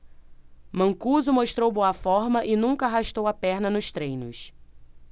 mancuso mostrou boa forma e nunca arrastou a perna nos treinos